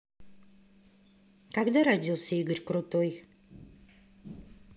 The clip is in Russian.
когда родился игорь крутой